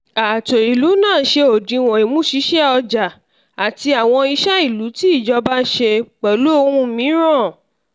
Ààtò náà ṣe òdiwọ̀n ìmúṣiṣẹ́ ọjà àti àwọn iṣẹ́ ìlú tí ìjọba ṣe, pẹ̀lú àwọn ohun mìíràn.